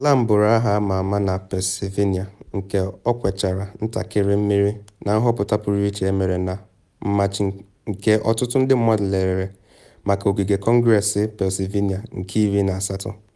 Lamb bụrụ aha ama ama na Pennsylvania ka ọ nwechara ntakịrị mmeri na nhọpụta pụrụ iche emere na Machị nke ọtụtụ ndị mmadụ lelere maka Ogige Kọngress Pennsylvania nke 18th.